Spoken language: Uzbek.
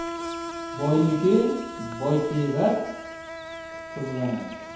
boynikini boytevat qizg'anar